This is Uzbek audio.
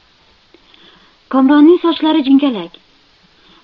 komronning sochlari jingalak